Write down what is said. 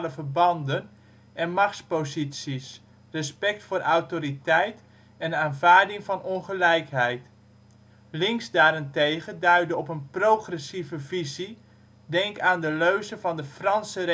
verbanden en machtsposities, respect voor autoriteit en aanvaarding van ongelijkheid. Links daarentegen duidde op een progressieve visie - denk aan de leuze van de Franse